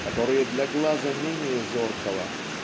которые для глаза менее зоркого